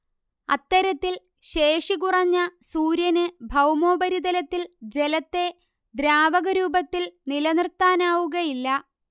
അത്തരത്തിൽ ശേഷി കുറഞ്ഞ സൂര്യന് ഭൗമോപരിതലത്തിൽ ജലത്തെ ദ്രാവക രൂപത്തിൽ നിലനിർത്താനാവുകയില്ല